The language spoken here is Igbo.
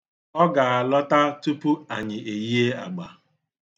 Ọ ga-alọta tupu anyị eyie agba.